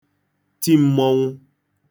-ti m̄mọ̄nwụ̄